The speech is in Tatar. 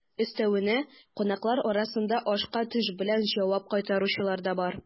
Өстәвенә, кунаклар арасында ашка таш белән җавап кайтаручылар да бар.